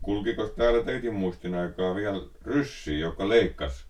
kulkikos täällä teidän muistin aikaan vielä ryssiä jotka leikkasi